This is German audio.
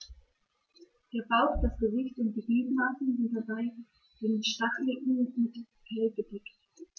Der Bauch, das Gesicht und die Gliedmaßen sind bei den Stacheligeln mit Fell bedeckt.